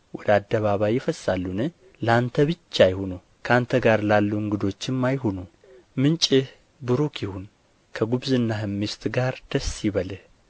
ወደ አደባባይ ይፈስሳሉን ለአንተ ብቻ ይሁኑ ከአንተ ጋር ላሉ እንግዶችም አይሁኑ ምንጭህ ቡሩክ ይሁን ከጕብዝናህም ሚስት ጋር ደስ ይበልህ